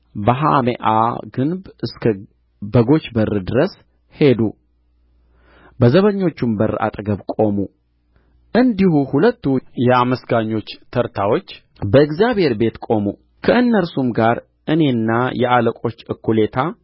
በሃሜአ ግንብ እስከ በጎች በር ድረስ ሄዱ በዘበኞችም በር አጠገብ ቆሙ እንዲሁ ሁለቱ የአመስጋኞች ተርታዎች በእግዚአብሔር ቤት ቆሙ ከእነርሱም ጋር እኔና የአለቆች እኵሌታ